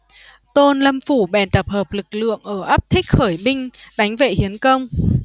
tôn lâm phủ bèn tập hợp lực lượng ở ấp thích khởi binh đánh vệ hiến công